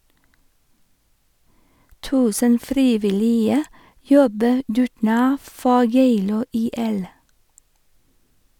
1000 frivillige jobber dugnad for Geilo IL.